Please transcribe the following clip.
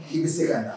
K'i bɛ segin ka'a la